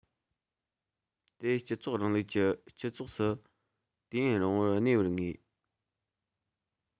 དེ སྤྱི ཚོགས རིང ལུགས ཀྱི སྤྱི ཚོགས སུ དུས ཡུན རིང པོར གནས པར ངེས